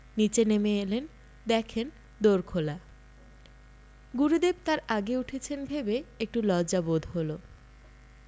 নীচে নেমে এলেন দেখেন দোর খোলা গুরুদেব তাঁর আগে উঠেছেন ভেবে একটু লজ্জা বোধ হলো